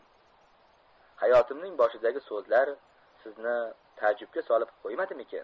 xatimning boshidagi so'zlar sizni taajjubga solib qo'ymadimikin